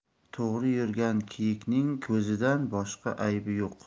to'g'ri yurgan kiyikning ko'zidan boshqa aybi yo'q